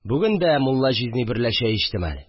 Бүген дә мулла җизни берлә чәй эчтем әле